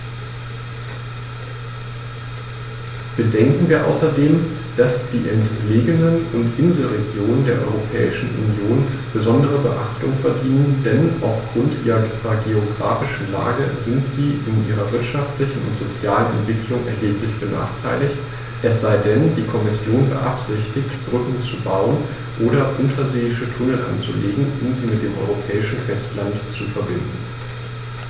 Bedenken wir außerdem, dass die entlegenen und Inselregionen der Europäischen Union besondere Beachtung verdienen, denn auf Grund ihrer geographischen Lage sind sie in ihrer wirtschaftlichen und sozialen Entwicklung erheblich benachteiligt - es sei denn, die Kommission beabsichtigt, Brücken zu bauen oder unterseeische Tunnel anzulegen, um sie mit dem europäischen Festland zu verbinden.